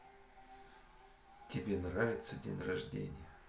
тебе нравится день рождения